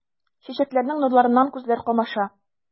Чәчәкләрнең нурларыннан күзләр камаша.